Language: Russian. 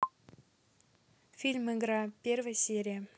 фильм игра первая серия